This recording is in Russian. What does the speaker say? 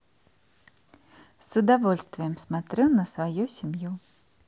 с удовольствием смотрю на свою семью